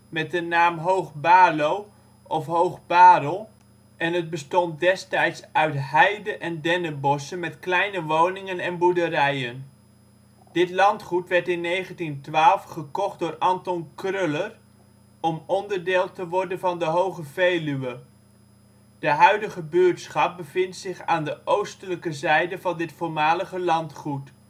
met de naam Hoog Baarlo of Hoog Barel en bestond destijds uit heide en dennenbossen met kleine woningen en boerderijen. Dit landgoed werd in 1912 gekocht door Anton Kröller om onderdeel te worden van de Hoge Veluwe. Het huidige buurtschap bevindt zich aan de oostelijke zijde van dit voormalige landgoed